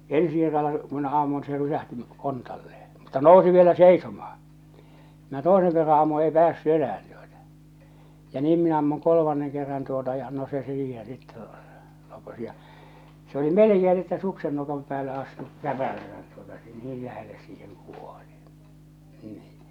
ensi kerralla kun minä ammuin se rysähti kontalleen mutta nousi vielä seisomaan minä toisen kerran ammun ei päässyt enää tuota ja niin minä ammun kolmannen kerran tuota ja no se siihen sitten lakosi ja se oli melkein no että suksen nokan päälle astui käpälänsä tuota niin lähelle siihen kuoli niin